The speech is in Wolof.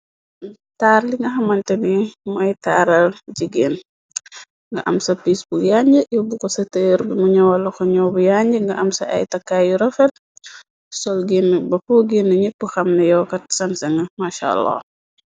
taar li nga xamante ni mooy taaral jigeen nga am sa piis bu yanji yowbu ko sa tëer bimu ñawala ko ñow bu yanj nga am sa ay takaa yu rofel sol genn ba poggee na ñepp xam na yookat sanseng marchalloh.